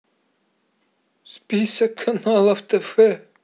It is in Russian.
список каналов тв